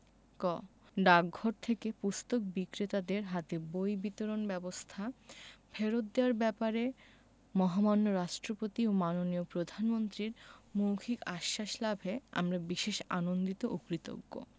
ক ডাকঘর থেকে পুস্তক বিক্রেতাদের হাতে বই বিতরণ ব্যবস্থা ফেরত দেওয়ার ব্যাপারে মহামান্য রাষ্ট্রপতি ও মাননীয় প্রধানমন্ত্রীর মৌখিক আশ্বাস লাভে আমরা বিশেষ আনন্দিত ও কৃতজ্ঞ